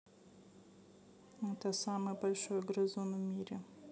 это самый большой грызун в мире